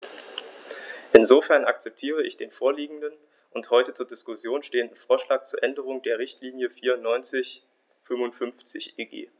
Insofern akzeptiere ich den vorliegenden und heute zur Diskussion stehenden Vorschlag zur Änderung der Richtlinie 94/55/EG.